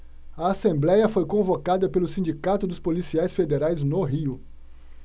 a assembléia foi convocada pelo sindicato dos policiais federais no rio